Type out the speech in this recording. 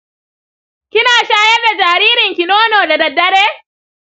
kina shayar da jaririnki nono da daddare?